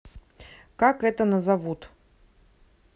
как это назовут